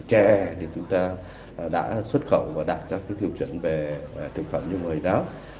chè thì chúng ta đã xuất khẩu và đạt các tiêu chuẩn về thực phẩm như mày đó